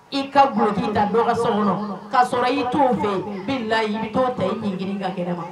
I ka g da dɔgɔ sa kɔnɔ k' sɔrɔ i t fɛ' la i bɛ to ta i nin g ka kɛ ma